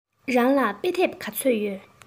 རང ལ དཔེ དེབ ག ཚོད ཡོད